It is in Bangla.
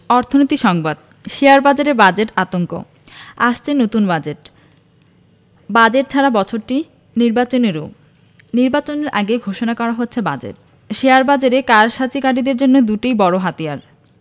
অর্থনীতি সংবাদ শেয়ারবাজারে বাজেট আতঙ্ক আসছে নতুন বাজেট বাজেট ছাড়া বছরটি নির্বাচনেরও নির্বাচনের আগে ঘোষণা করা হচ্ছে বাজেট শেয়ারবাজারের কারসাজিকারীদের জন্য দুটোই বড় হাতিয়ার